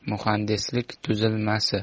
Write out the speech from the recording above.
muhandislik tuzilmasi